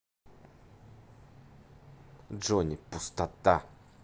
jony пустота